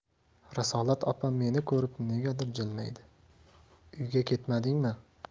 risolat opa meni ko'rib negadir jilmaydi uyga ketmadingmi